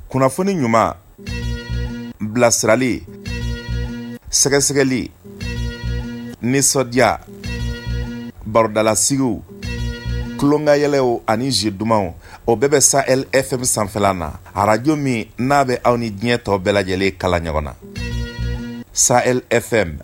Kunnafoni ɲuman bilasirali sɛgɛsɛgɛli nisɔndiya barodalasigi tulonkanyw ani zi dumanumaw o bɛɛ bɛ sa e fɛn sanfɛ na arajo min n'a bɛ aw ni diɲɛ tɔ bɛɛ lajɛlen kala ɲɔgɔn na san sa e fɛ